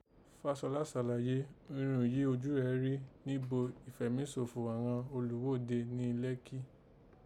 Fasolá sàlàyé irun yìí ojú rẹ̀ rí nibo ìfẹ̀mísòfò àghan olùghode ni Lẹ́kkí